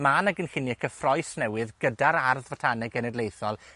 ma' 'na gynllunie cyffrous newydd gyda'r Ardd Fotaneg Genedlaethol